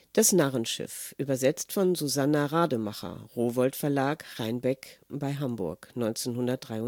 Das Narrenschiff. Übersetzt von Susanna Rademacher. Rowohlt Verlag, Reinbek bei Hamburg 1963